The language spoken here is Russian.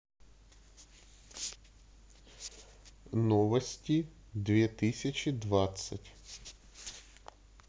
новости две тысячи двадцать